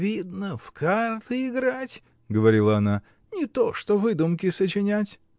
-- Видно, в карты играть, -- говорила она, -- не то, что выдумки сочинять.